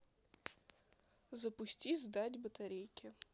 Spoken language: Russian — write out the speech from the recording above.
запусти сдать батарейки